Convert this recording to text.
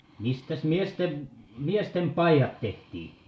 mistäs miesten miesten paidat tehtiin